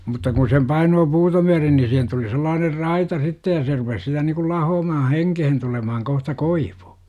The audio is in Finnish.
mutta kun sen painaa puuta myöten niin siihen tuli sellainen raita sitten ja se rupesi sitä niin kuin lahoamaan henkeen tulemaan kohta koivu